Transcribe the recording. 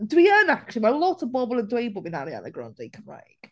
Dwi yn actually mae lot o bobl yn dweud bo' fi'n Ariana Grande Cymraeg.